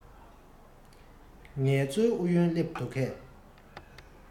ངལ རྩོལ ཨུ ཡོན སླེབས འདུག གས